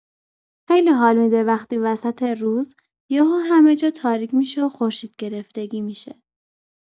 خیلی حال می‌ده وقتی وسط روز، یهو همه جا تاریک می‌شه و خورشیدگرفتگی می‌شه.